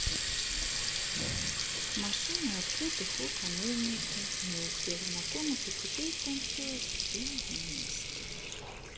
машины открытых окон умерли не у всех знакомых и теперь танцуют все вместе